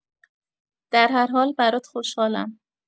در هر حال برات خوشحالم.